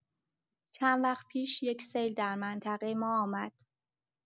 چند وقت پیش، یک سیل در منطقه ما آمد.